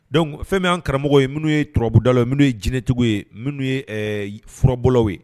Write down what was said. Donc fɛn mun yan karamɔgɔ ye minnu ye turabudalaw ye minnu ye jinɛtigiw ye minnu ye ɛɛ furabɔlaw ye